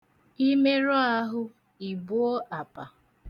Ị meru ahụ, ị buo apa.